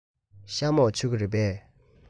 ཤ མོག མཆོད ཀྱི རེད པས